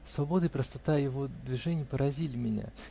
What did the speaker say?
Свобода и простота его движений поразили меня.